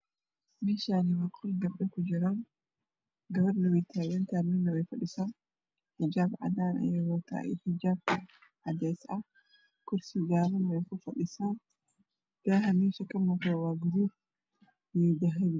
Meshanwaa meel qol gabdho ku jiraan gabrna wey taagan tahay mudna wey fadhisaa midna wey taagantahay xijaap cadaan ah iyo xijaap cadees ah ayey wadataa kursi gaabana wey ku fadhisaa daha meesha ka muuqada waa guduud iyo dahapi